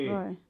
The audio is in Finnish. vai